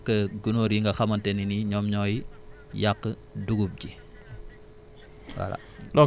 ak gunóor yi nga xamante ne ni ñoom ñooy yàq dugub ji voilà